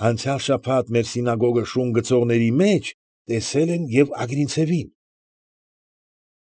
Անցյալ շաբաթ մեր սինագոգը շուն գցողների մեջ տեսել են և՛ Ագրինցևին։